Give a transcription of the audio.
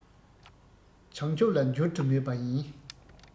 བྱང ཆུབ ལ འགྱུར དུ མེད པ ཡིན